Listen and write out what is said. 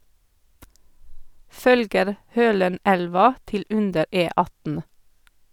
Følger Hølenelva til under E18.